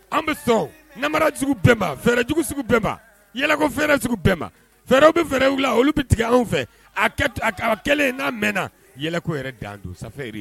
An bɛ sɔnjugu bɛba fɛrɛɛrɛjugu bɛnba fɛrɛɛrɛ bɛnba fɛɛrɛw bɛ fɛɛrɛw la olu bɛ tigɛ anw fɛ a kelen in n'a mɛnna yɛlɛ yɛrɛ dan don sanfɛri